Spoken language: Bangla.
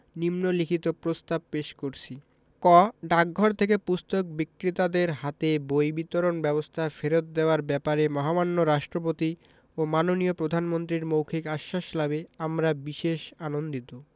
নিন্ম লিখিত প্রস্তাব পেশ করছি ক ডাকঘর থেকে পুস্তক বিক্রেতাদের হাতে বই বিতরণ ব্যবস্থা ফেরত দেওয়ার ব্যাপারে মহামান্য রাষ্ট্রপতি ও মাননীয় প্রধানমন্ত্রীর মৌখিক আশ্বাস লাভে আমরা বিশেষ আনন্দিত